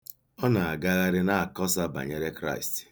Ọ na-agagharị na-akọsa banyere Kraịst.